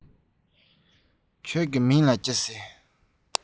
ཁྱེད རང གི མཚན ལ ག རེ ཞུ གི ཡོད